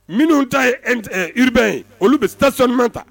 Minnu ta ye ɛnt ɛɛ urbain ye olu be stationnement ta